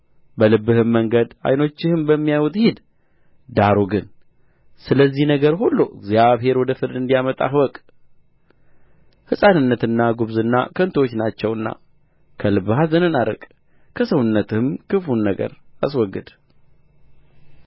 በልብህም መንገድ ዓይኖችህም በሚያዩት ሂድ ዳሩ ግን ስለዚህ ነገር ሁሉ እግዚአብሔር ወደ ፍርድ እንዲያመጣህ እወቅ ሕፃንነትና ጕብዝና ከንቱዎች ናቸውና ከልብህ ኀዘንን አርቅ ከሰውነትህም ክፉን ነገር አስወግድ